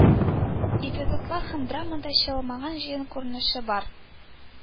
Эпизодлар һәм драмада чагылмаган җыен күренеше бар;